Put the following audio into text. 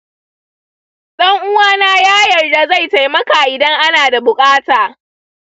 dan uwana ya yarda zai taimaka idan ana da buƙata